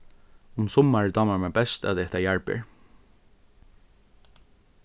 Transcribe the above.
um summarið dámar mær best at eta jarðber